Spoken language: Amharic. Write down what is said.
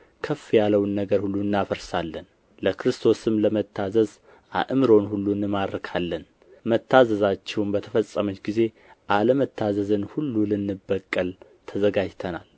ከፍ ያለውን ነገር ሁሉ እናፈርሳለን ለክርስቶስም ለመታዘዝ አእምሮን ሁሉ እንማርካለን መታዘዛችሁም በተፈጸመች ጊዜ አለመታዘዝን ሁሉ ልንበቀል ተዘጋጅተናል